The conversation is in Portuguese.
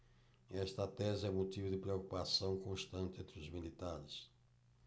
esta tese é motivo de preocupação constante entre os militares